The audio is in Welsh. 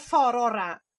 ffor' ora?